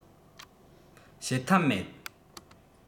བྱེད ཐབས མེད